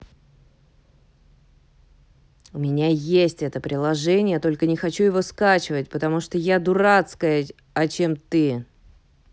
у меня есть это приложение только не хочу его скачивать потому что я дурацкая а чем ты